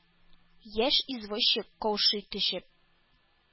Яшь извозчик, каушый төшеп,